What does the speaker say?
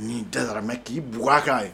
N'i dasaramɛ k'i bug akan ye